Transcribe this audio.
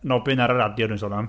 Nobyn ar y radio dwi'n son am.